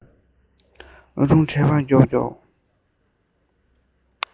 ཨ དྲུང དྲེལ པ མགྱོགས མགྱོགས